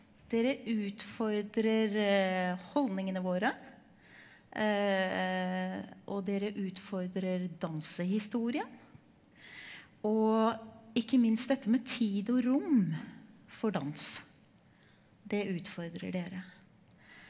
dere utfordrer holdningene våre, og dere utfordrer dansehistorien og ikke minst dette med tid og rom for dans, det utfordrer dere.